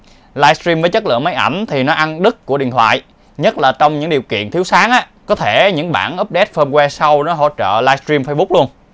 livestream với chất lượng máy ảnh thì nó ăn đứt của điện thoại nhất là trong những điều kiện thiếu sáng có thể những bản update firmware sau nó hỗ trợ livestream fb luôn